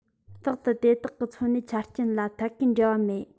རྟག ཏུ དེ དག གི འཚོ གནས ཆ རྐྱེན ལ ཐད ཀའི འབྲེལ བ མེད